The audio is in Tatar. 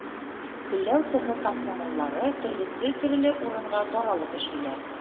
Көлләү цехы комсомоллары төрлесе төрле урынга таралып эшлиләр